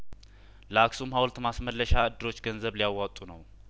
ለአክሱም ሀውልት ማስመ ለሻ እድሮች ገንዘብ ሊያዋጡ ነው